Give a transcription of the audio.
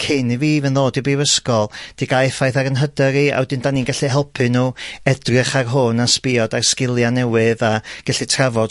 cyn i fi even ddod i brifysgol, 'di gae' effaith ar 'yn hyder i a wedyn 'dan ni'n gallu helpu nhw edrych ar hwn a sbïo 'da sgilia' newydd a gallu trafod